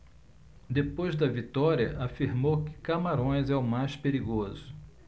depois da vitória afirmou que camarões é o mais perigoso